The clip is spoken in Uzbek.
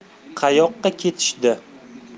qayoqqa ketishdi